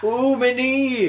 Oh my knee!